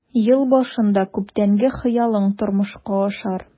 Ел башында күптәнге хыялың тормышка ашар.